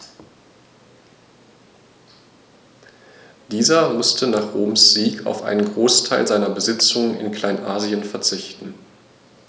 Dieser musste nach Roms Sieg auf einen Großteil seiner Besitzungen in Kleinasien verzichten.